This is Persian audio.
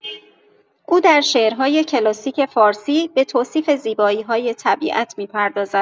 او در شعرهای کلاسیک فارسی به توصیف زیبایی‌های طبیعت می‌پردازد.